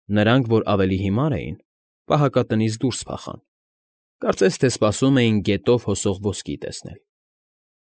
Նրանք, որ ավելի հիմար էին, պահակատնից դուրս փախան, կարծես թե սպասում էին գետով հոսող ոսկի տեսնել։